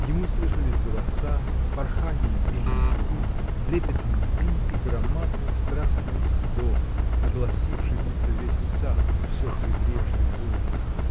Ему слышались голоса, порханье и пенье птиц, лепет любви и громадный, страстный вздох, огласивший будто весь сад и всё прибрежье Волги.